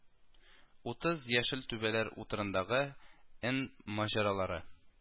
Утыз яшел түбәләр утарындагы энн ма аралары